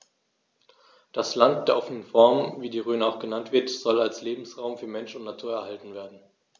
Das „Land der offenen Fernen“, wie die Rhön auch genannt wird, soll als Lebensraum für Mensch und Natur erhalten werden.